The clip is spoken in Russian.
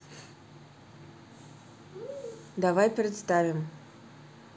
давай представим